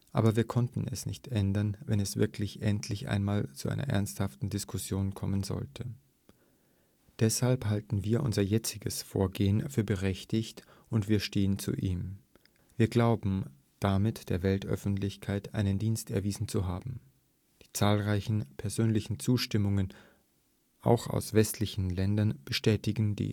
Aber wir konnten es nicht ändern, wenn es wirklich endlich einmal zu einer ernsthaften Diskussion kommen sollte. Deshalb halten wir unser jetziges Vorgehen für berechtigt und wir stehen zu ihm. Wir glauben, damit der Weltöffentlichkeit einen Dienst erwiesen zu haben. Die zahlreichen persönlichen Zustimmungen, auch aus westlichen Ländern